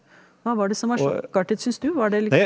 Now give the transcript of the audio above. hva var det som var sjokkartet, syns du, var det?